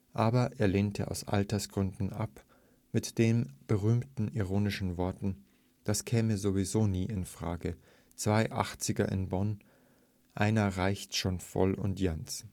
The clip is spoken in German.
Aber er lehnte aus Altersgründen ab – mit den berühmten ironischen Worten „ Das käme sowieso nie in Frage. Zwei Achtziger in Bonn? Einer reicht schon voll und janz